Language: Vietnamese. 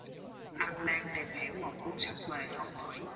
anh đang tìm hiểu một cuốn sách về phong thủy